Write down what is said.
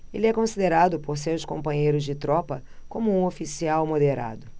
ele é considerado por seus companheiros de tropa como um oficial moderado